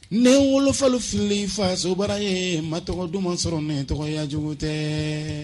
Ne n wolofalofilen fasobara ye ma tɔgɔ duman sɔrɔ n tɔgɔya cogo tɛ